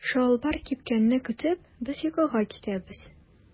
Чалбар кипкәнне көтеп без йокыга китәбез.